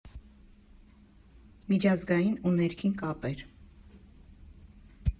Միջազգային ու ներքին կապեր։